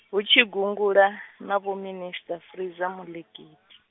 hu tshi gungula , na Vhominista Fraser-Moleketi.